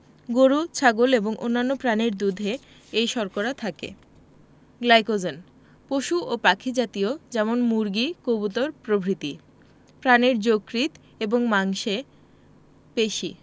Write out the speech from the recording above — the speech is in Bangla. গরু ছাগল এবং অন্যান্য প্রাণীর দুধে এই শর্করা থাকে গ্লাইকোজেন পশু ও পাখি জাতীয় যেমন মুরগি কবুতর প্রভৃতি প্রাণীর যকৃৎ এবং মাংসে পেশি